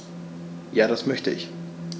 Ja, das möchte ich.